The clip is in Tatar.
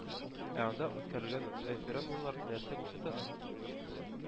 Ә анда үткәрелгән референдумнар нәрсә күрсәтте соң?